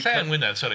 Lle yng Ngwynedd sori?